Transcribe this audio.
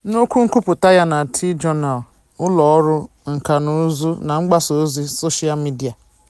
N'okwu nkwupụta ya na TJournal, ụlọọrụ nkànaụzụ na mgbasaozi soshal midịa.